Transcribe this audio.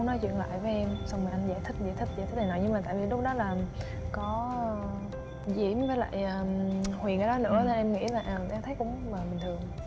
nói chuyện lại với em xong rồi anh giải giải thích giải thích này nọ nhưng mà tại vì lúc đó là có diễm với lại huyền ở đó nữa nên em nghĩ là ừ em thấy cũng là bình thường